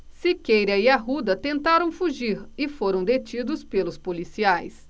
siqueira e arruda tentaram fugir e foram detidos pelos policiais